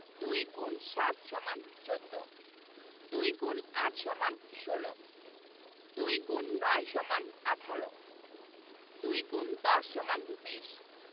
২ X ৭ = ১৪ ২ X ৮ = ১৬ ২ X ৯ = ১৮ ২ ×১০ = ২০